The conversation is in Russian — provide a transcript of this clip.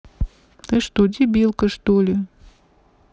ты что дебилка что ли